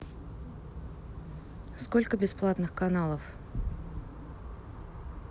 сколько бесплатных каналов